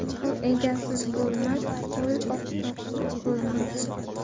mol egasiz bo'lmas qo'y oqsoqsiz bo'lmas